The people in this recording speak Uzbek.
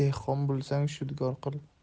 dehqon bo'lsang shudgor qil